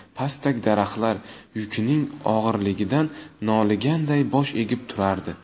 pastak daraxtlar yukining og'irligidan noliganday bosh egib turardi